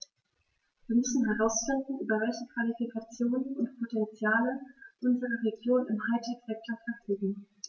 Wir müssen herausfinden, über welche Qualifikationen und Potentiale unsere Regionen im High-Tech-Sektor verfügen.